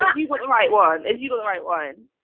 Have you got the right one? Have you got the right one?